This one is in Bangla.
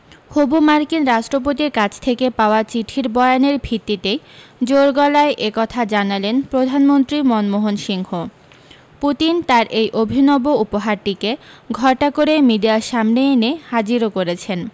হবু মার্কিন রাষ্ট্রপতির কাছ থেকে পাওয়া চিঠির বয়ানের ভিত্তিতেই জোর গলায় একথা জানালেন প্রধানমন্ত্রী মনমোহন সিংহ পুতিন তাঁর এই অভিনব উপহারটিকে ঘটা করে মিডিয়ার সামনে এনে হাজিরও করেছেন